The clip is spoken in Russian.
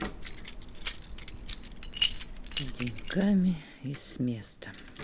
с деньками и с места